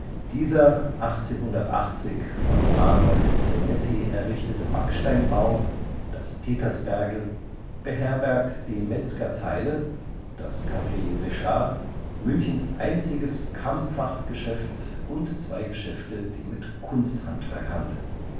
Dieser 1880 von Arnold Zenetti errichtete Backsteinbau, das Petersbergl, beherbergt die Metzgerzeile, das Café Rischart, Münchens einziges Kammfachgeschäft und zwei Geschäfte, die mit Kunsthandwerk handeln